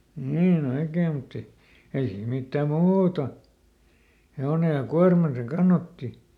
niin oikein mutta ei ei siinä mitään muuta hevonen ja kuorman se kannatti